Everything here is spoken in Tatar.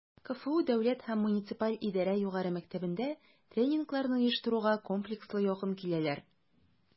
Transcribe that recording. КФУ Дәүләт һәм муниципаль идарә югары мәктәбендә тренингларны оештыруга комплекслы якын киләләр: